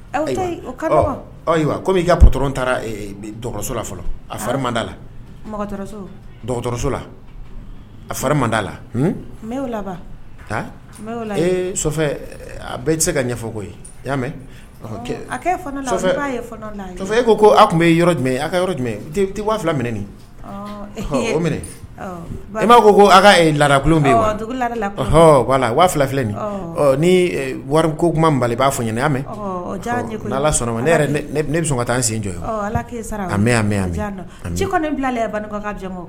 Komi ka p taara a la la a' la bɛɛ se ka ɲɛfɔ i y'a mɛn e ko tun jumɛn tɛ fila minɛ nin n ma ko ko ka la la filɛ nin ni wari ko kuma b'a fɔ ɲ y'a mɛn ne bɛ sɔn ka taa sen jɔ mɛn ci